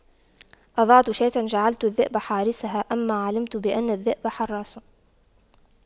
أضعت شاة جعلت الذئب حارسها أما علمت بأن الذئب حراس